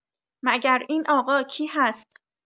مگر این آقا کی هست؟